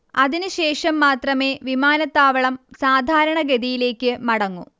അതിന് ശേഷം മാത്രമേ വിമാനത്താവളം സാധാരണഗതിയിലേക്ക് മടങ്ങൂ